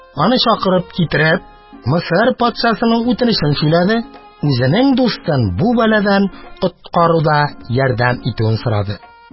Аны чакырып китереп, Мисыр патшасының үтенечен сөйләде, үзенең дустын бу бәладән коткаруда ярдәм итүен сорады